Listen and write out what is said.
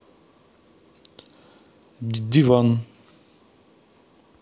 диван